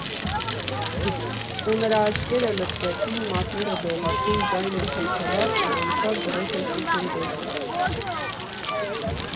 Ու նրա աչքերը լցվեցին, մատները դողացին, ձայնը թրթռաց ու անցավ գրեթե շշնջոցի.